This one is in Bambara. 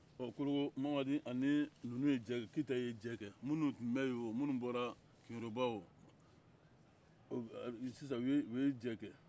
bɔn kologomamadi ani ninnu ye jɛ kɛ keyita ye jɛ kɛ minnu tun bɛ yen o minnu bɔra keyoyoba o sisan o ye jɛ kɛ